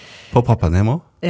på Pappenheim òg?